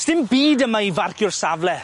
Sdim byd yma i farcio'r safle.